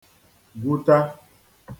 gwuta